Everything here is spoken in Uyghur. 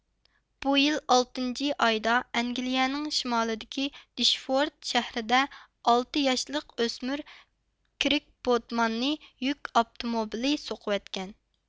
بۇ يىل ئالتىنچى ئايدا ئەنگىلىيىنىڭ شىمالىدىكى دىشفورت شەھىرىدە ئالتە ياشلىق ئۆسمۈر كىركبودماننى يۈك ئاپتوموبىلى سوقۇۋەتكەن